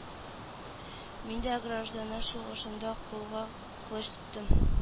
Мин дә гражданнар сугышында кулга кылыч тоттым